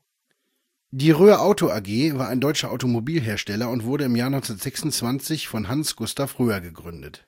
Die Röhr Auto AG war ein deutscher Automobilhersteller und wurde im Jahr 1926 von Hans Gustav Röhr gegründet